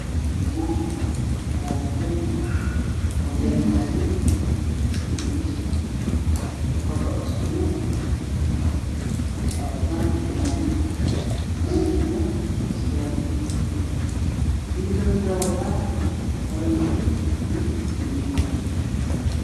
Wiilal cayaartooy oo meel taagan dharkoodu waa isku nuuc waxay wataan fanaanad oranji ah iyo surwaal oranji ah. Midna waxuu wataa garan buluug ah iyo buume buluug ah.